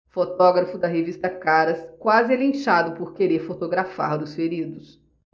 fotógrafo da revista caras quase é linchado por querer fotografar os feridos